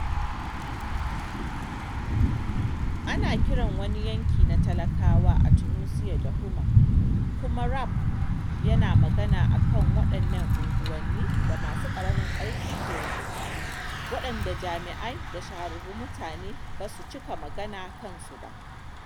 Ana kiran wani yanki na talakawa a Tunisia da Houma… Kuma rap yana magana a kan waɗannan unguwannin da masu ƙaramin ƙarfi ke rayuwa, waɗanda jami’ai da shahararrun mutane ba su cika magana kansu ba.